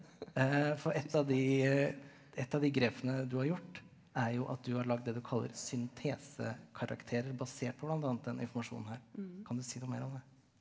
for et av de et av de grepene du har gjort er jo at du har laget det du kaller syntesekarakterer basert på bl.a. den informasjonen her kan du si noe mer om det?